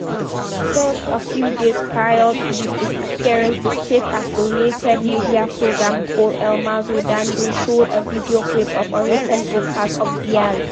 Just a few days prior to his disappearance, the state-affiliated media program Con el Mazo Dando showed a video clip of a recent broadcast of Diaz.